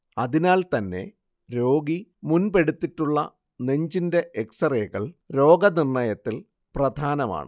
അതിനാൽ തന്നെ രോഗി മുൻപെടുത്തിട്ടുള്ള നെഞ്ചിന്റെ എക്സ്റേകൾ രോഗനിർണയത്തിൽ പ്രധാനമാണ്